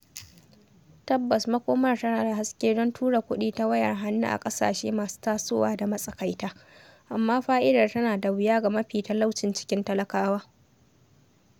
Tabbas makomar tana da haske don tura kuɗi ta wayar hannu a ƙasashe masu tasowa da matsakaita, amma fa’idar tana da wuya ga mafi talaucin cikin talakawa.